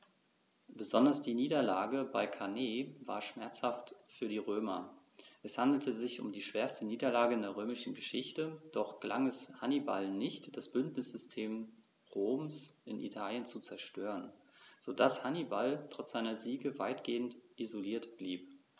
Besonders die Niederlage bei Cannae war schmerzhaft für die Römer: Es handelte sich um die schwerste Niederlage in der römischen Geschichte, doch gelang es Hannibal nicht, das Bündnissystem Roms in Italien zu zerstören, sodass Hannibal trotz seiner Siege weitgehend isoliert blieb.